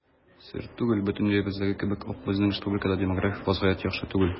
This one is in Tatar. Сер түгел, бөтен илебездәге кебек үк безнең республикада да демографик вазгыять яхшы түгел.